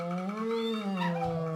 Nse yo